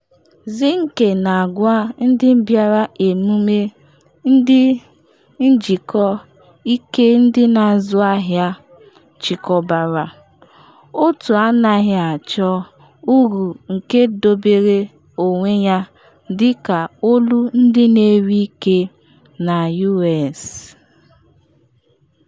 Zinke na-agwa ndị bịara emume ndị Consumer Energy Alliance chịkọbara, otu anaghị achọ uru nke dobere onwe ya dịka “olu ndị na-eri ike” na US.